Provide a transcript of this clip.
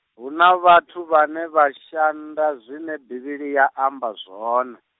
huna vhathu vhane vha shanda zwine Bivhili ya amba zwone.